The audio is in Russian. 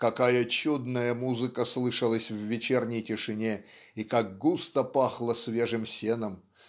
какая чудная музыка слышалась в вечерней тишине и как густо пахло свежим сеном!